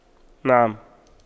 نعم